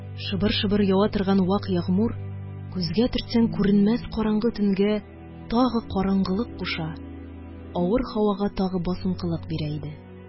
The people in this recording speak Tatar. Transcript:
Шыбыр-шыбыр ява торган вак ягъмур күзгә төртсәң күренмәс караңгы төнгә тагы караңгылык куша, авыр һавага тагы басынкылык бирә иде